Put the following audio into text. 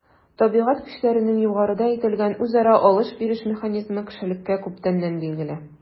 Табигать көчләренең югарыда әйтелгән үзара “алыш-биреш” механизмы кешелеккә күптәннән билгеле.